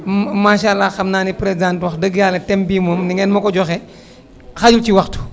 ma macha allah xam naa ni présidente wax dëgg yàlla thème bii moom ni ngeen ma ko joxee xajul ci waxtu